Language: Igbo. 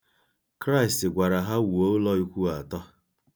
Kraịst gwara ha wuo ụlọikwuu atọ.